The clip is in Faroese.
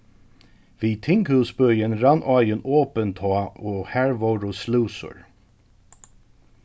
við tinghúsbøin rann áin opin tá og har vóru slúsur